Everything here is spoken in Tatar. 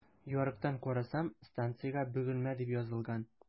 Ярыктан карасам, станциягә “Бөгелмә” дип язылган.